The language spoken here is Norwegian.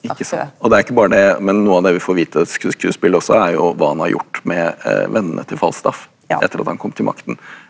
og det er ikke bare det men noe av det vi får vite et skuespill også er jo hva han har gjort med vennene til Falstaff etter at han kom til makten.